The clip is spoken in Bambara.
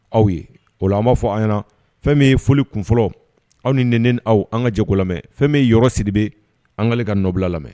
Aw ye o an b'a fɔ any fɛn bɛ ye foli kunfɔlɔ aw ni nen aw an ka jɛko la fɛn bɛ yɔrɔ si bɛ an kaale ka nabila lamɛn